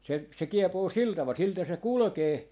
se se kiepoo sillä tavalla siltä se kulkee